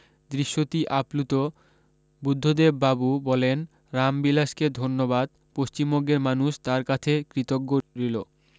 দৃশ্যতি আপ্লুত বুদ্ধবাবু বলেন রামবিলাসকে ধন্যবাদ পশ্চিমবঙ্গের মানুষ তার কাছে কৃতজ্ঞ রিল